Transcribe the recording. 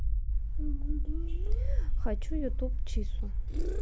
хочу youtube chisu